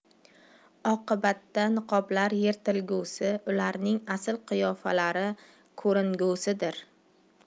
oqibatda niqoblar yirtilgusi ularning asl qiyofalari ko'ringusidir